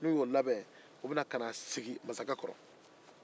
n'u y'o labɛnn u be n'a sigi masakɛ kɔrɔ